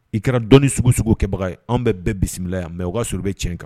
I kɛra dɔn sugu sugu kɛbaga an bɛɛ bɛɛ bisimila bila yan mɛ o y'a sɔrɔ bɛ ti tiɲɛ kan